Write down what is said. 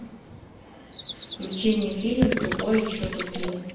включи мне фильм тупой еще тупее